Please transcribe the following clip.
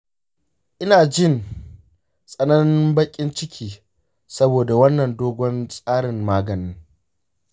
ina jin tsananin baƙin ciki saboda wannan dogon tsarin maganin.